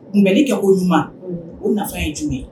Kunli kɛ o ɲuman o nafa ye jumɛn ye